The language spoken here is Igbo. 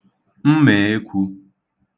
mmèekwū